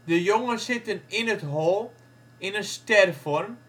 jongen zitten in het hol in een stervorm